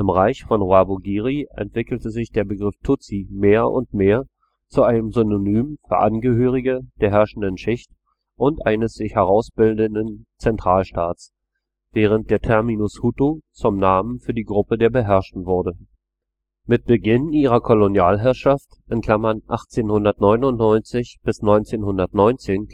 Reich von Rwabugiri entwickelte sich der Begriff „ Tutsi “mehr und mehr zu einem Synonym für Angehörige der herrschenden Schicht eines sich herausbildenden Zentralstaats, während der Terminus „ Hutu “zum Namen für die Gruppe der Beherrschten wurde. Mit Beginn ihrer Kolonialherrschaft (1899 – 1919